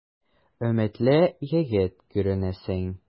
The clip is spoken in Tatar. Өметле егет күренәсең.